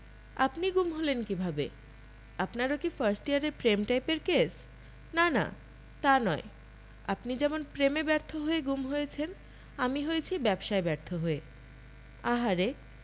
আপনি গুম হলেন কীভাবে আপনারও কি ফার্স্ট ইয়ারের প্রেমটাইপের কেস না না তা নয় আপনি যেমন প্রেমে ব্যর্থ হয়ে গুম হয়েছেন আমি হয়েছি ব্যবসায় ব্যর্থ হয়ে আহা রে